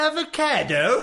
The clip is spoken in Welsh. Avocado!